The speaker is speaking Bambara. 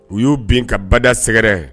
U y'u bin ka bada sɛgɛrɛ